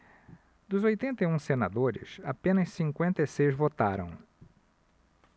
dos oitenta e um senadores apenas cinquenta e seis votaram